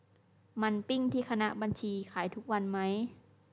มันปิ้งที่คณะบัญชีขายทุกวันไหม